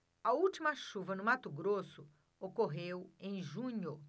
a última chuva no mato grosso ocorreu em junho